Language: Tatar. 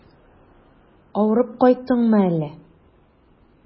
Авырып кайттыңмы әллә?